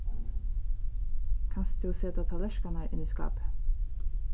kanst tú seta tallerkarnar inn í skápið